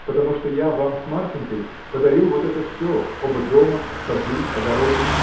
— Потому что я вам с Марфинькой подарил вот это всё, оба дома, сады, огороды.